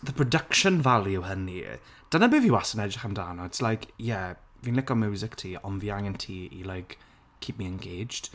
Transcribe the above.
The production value hynny, dyna be fi wastad yn edrych amdano it's like, ie fi'n lico miwsig ti ond fi angen ti i like, keep me engaged